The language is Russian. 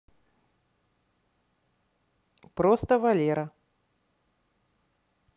просто валера